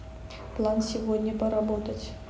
план сегодня поработать